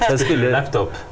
laptop?